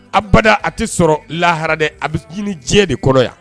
A bada a tɛ sɔrɔ lahara de a bɛ ɲini diɲɛ de kɔrɔ yan